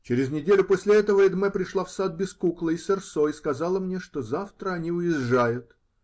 Через неделю после этого Эдмэ пришла в сад без куклы и серсо и сказала мне, что завтра они уезжают.